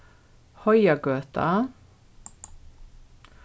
heiðagøta